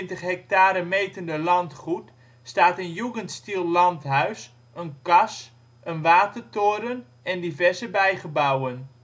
hectare metende landgoed staan een jugendstil landhuis, een kas, een watertoren, en diverse bijgebouwen